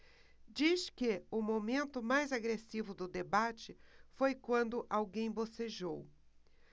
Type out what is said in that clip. diz que o momento mais agressivo do debate foi quando alguém bocejou